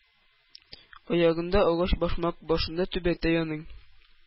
— аягында агач башмак, башында түбәтәй аның.